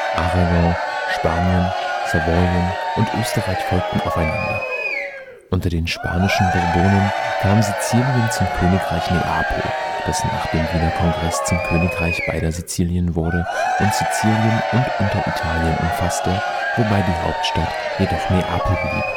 Aragon, Spanien, Savoyen und Österreich folgten aufeinander. Unter den spanischen Bourbonen kam Sizilien zum Königreich Neapel, das nach dem Wiener Kongress zum Königreich beider Sizilien wurde und Sizilien und Unteritalien umfasste, wobei die Hauptstadt jedoch Neapel blieb